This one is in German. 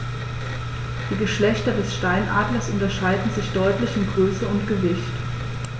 Die Geschlechter des Steinadlers unterscheiden sich deutlich in Größe und Gewicht.